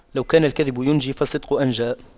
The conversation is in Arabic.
لو كان الكذب ينجي فالصدق أنجى